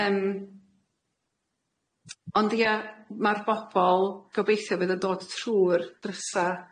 Yym, ond ia ma'r bobol, gobeithio fydd yn dod trw'r drysa'